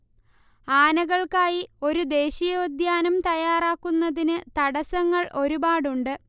ആനകൾക്കായി ഒരു ദേശീയോദ്യാനം തയ്യാറാക്കുന്നതിന് തടസ്സങ്ങൾ ഒരുപാടുണ്ട്